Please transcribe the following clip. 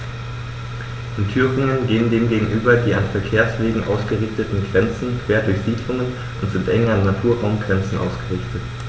In Thüringen gehen dem gegenüber die an Verkehrswegen ausgerichteten Grenzen quer durch Siedlungen und sind eng an Naturraumgrenzen ausgerichtet.